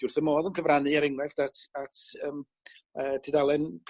dwi wrth fy modd yn cyfrannu er enghraifft at at yym yy tudalen